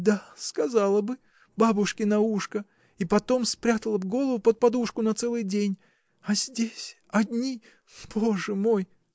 — Да, сказала бы, бабушке на ушко, и потом спрятала бы голову под подушку на целый день. А здесь. одни — Боже мой!